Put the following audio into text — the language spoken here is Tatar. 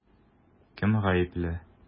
Кем гаепле?